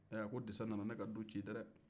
ɛ disa nana ne ka du ci dɛrɛ